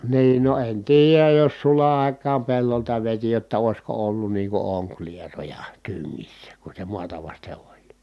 niin no en tiedä jos sulan aikaan pellolta veti jotta olisiko ollut niin kuin onkilieroja tyngissä kun se maata vasten oli